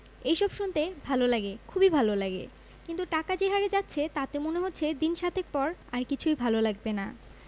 এইসব শুনতে ভাল লাগে খুবই ভাল লাগে কিন্তু টাকা যে হারে যাচ্ছে তাতে মনে হচ্ছে দিন সাতেক পর আর কিছুই ভাল লাগবে না